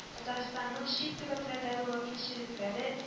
Татарстанның чит төбәкләрдәге вәкилчелекләре